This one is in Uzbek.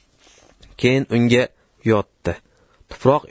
keyin unga bag'rini berib yotdi